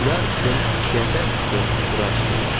ular uchun yashash uchun kurash edi